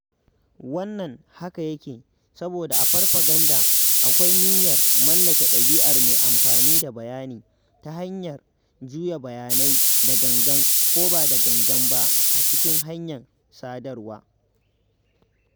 Wannan haka yake saboda a farfaganda akwai "niyyar mallake ɗabi'ar mai amfani da bayani" ta hanyar "juya bayanai da gangan ko ba da gangan ba a cikin hanyar sadarwa".